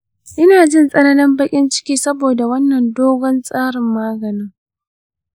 ina jin tsananin baƙin ciki saboda wannan dogon tsarin maganin.